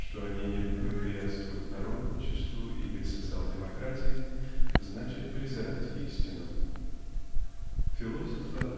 что они не благоприятствуют народничеству иди социал-демократии значит презирать истину. Философа